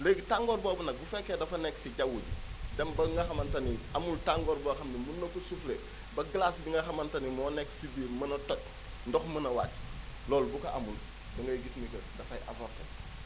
léegi tàngoor boobu nag bu fekkee dafa nekk si jawwu ji dem ba nga xamante ni amul tàngoor boo xam ni mën na ko soufflé ba glace gi nga xamante ni moo nekk si biir mën toj ndox mën a wàcc loolu bu ko amul da ngay gis ni que dafa avorté